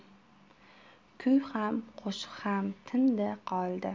kuy ham qo'shiq ham tindi qoldi